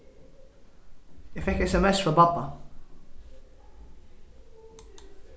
eg fekk sms frá babba